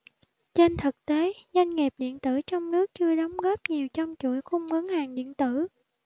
trên thực tế doanh nghiệp điện tử trong nước chưa đóng góp nhiều trong chuỗi cung ứng hàng điện tử